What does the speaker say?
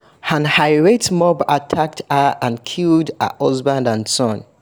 An irate mob attacked her and killed her husband and son.